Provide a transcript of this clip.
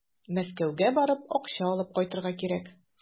Мәскәүгә барып, акча алып кайтырга кирәк.